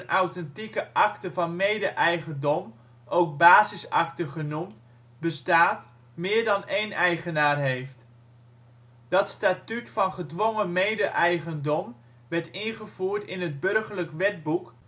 authentieke akte van mede-eigendom (ook basisakte genoemd) bestaat, meer dan één eigenaar heeft. Dat statuut van gedwongen mede-eigendom werd ingevoerd in het Burgerlijk Wetboek